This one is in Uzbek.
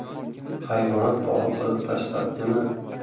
hayvonot bog'i qilib tashlabdimi